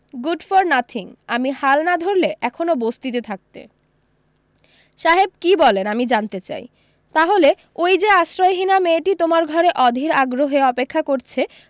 good for nothing আমি হাল না ধরলে এখনও বস্তিতে থাকতে সাহেব কী বলেন আমি জানতে চাই তাহলে ওই যে আশ্রয়হীনা মেয়েটি তোমার ঘরে অধীর আগ্রহে অপেক্ষা করছে